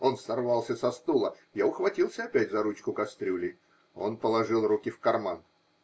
Он сорвался со стула, я ухватился опять за ручку кастрюли. Он положил руки в карман.